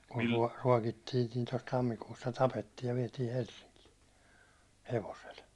kun - ruokittiin niin tuossa tammikuussa tapettiin ja vietiin Helsinkiin hevosella